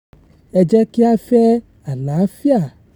Ẹ jẹ́ kí a fẹ́ àlàáfíà.